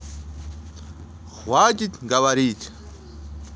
хватит говорить